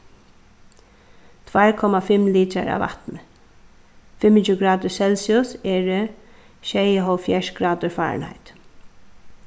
tveir komma fimm litrar av vatni fimmogtjúgu gradir celsius eru sjeyoghálvfjerðs gradir fahrenheit